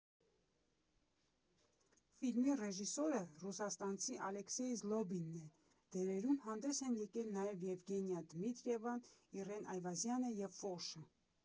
Ֆիլմի ռեժիսորը ռուսաստանցի Ալեքսեյ Զլոբինն է, դերերում հանդես են եկել նաև Եվգենիա Դմիտրիևան, Իռեն Այվազյանը և Ֆորշը։